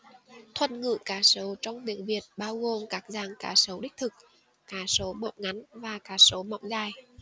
thuật ngữ cá sấu trong tiếng việt bao gồm các dạng cá sấu đích thực cá sấu mõm ngắn và cá sấu mõm dài